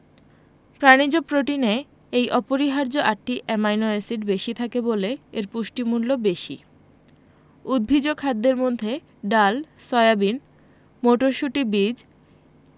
প্রাণিজ প্রোটিনে এই অপরিহার্য আটটি অ্যামাইনো এসিড বেশি থাকে বলে এর পুষ্টিমূল্য বেশি উদ্ভিজ্জ খাদ্যের মধ্যে ডাল সয়াবিন মটরশুটি বীজ